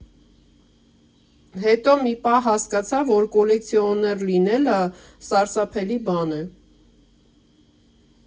Հետո մի պահ հասկացա, որ կոլեկցիոներ լինելը սարսափելի բան է։